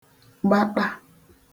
gbaṭa